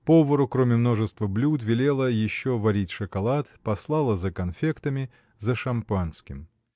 Повару, кроме множества блюд, велела еще варить шеколад, послала за конфектами, за шампанским.